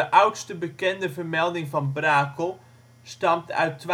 oudste bekende vermelding van Brakel stamt uit